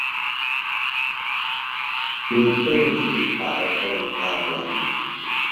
มีปื้นสีขาวตรงกลางหลัง